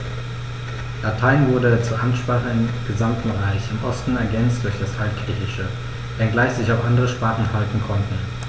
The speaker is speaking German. Latein wurde zur Amtssprache im gesamten Reich (im Osten ergänzt durch das Altgriechische), wenngleich sich auch andere Sprachen halten konnten.